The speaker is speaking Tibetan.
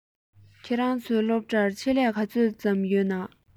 ཁྱོད རང ཚོའི སློབ གྲྭར ཆེད ལས ག ཚོད ཙམ ཡོད ན